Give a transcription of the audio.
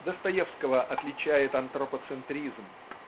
Достоевского отличает антропоцентризм